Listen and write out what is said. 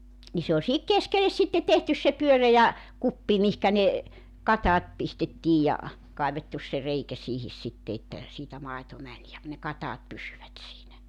niin se oli siihen keskelle sitten tehty se pyöreä kuppi mihinkä ne katajat pistettiin ja kaivettu se reikä siihen sitten että siitä maito meni ja ne katajat pysyivät siinä